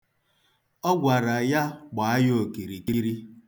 Ọ gwara ya gbaa ya okirikiri.